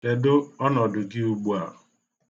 Kedụ ọnọdụ gị ugbu a.